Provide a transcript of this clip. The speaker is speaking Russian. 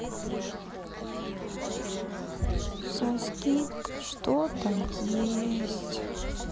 со скидкой что там есть